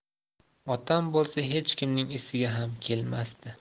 otam bo'lsa hech kimning esiga ham kelmasdi